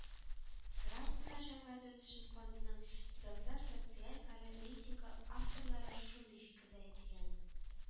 Гражданнар җәмгыяте үсешен фондының төбәкләр социаль хәле рейтингы авторлары шундый фикердә килгән